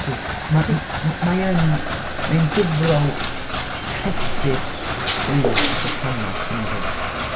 Ydy. M- m- mai yn... mai'n gyfrol crefftus, gwych a gwahanol 'swn i'n ddweud.